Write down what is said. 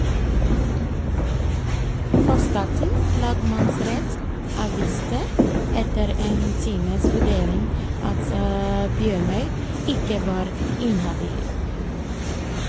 Frostating lagmannsrett avviste etter en times vurdering at Bjørnøy ikke var inhabil.